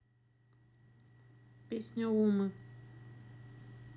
песня умы